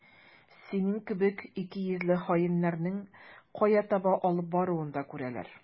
Синең кебек икейөзле хаиннәрнең кая таба алып баруын да күрәләр.